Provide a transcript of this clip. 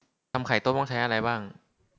ทำไข่ต้มต้องใช้อะไรบ้าง